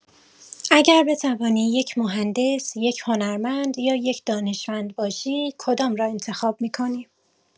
اگر بتوانی یک مهندس، یک هنرمند یا یک دانشمند باشی کدام را انتخاب می‌کنی؟